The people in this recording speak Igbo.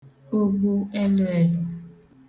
ụgbụẹlụèlụ̀